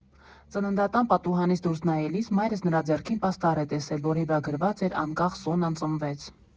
Ծննդատան պատուհանից դուրս նայելիս մայրս նրա ձեռքին պաստառ է տեսել, որի վրա գրված էր՝ «Անկախ Սոնան ծնվեց»։